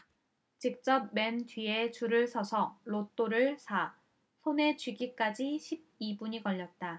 직접 맨 뒤에 줄을 서서 로또를 사 손에 쥐기까지 십 이 분이 걸렸다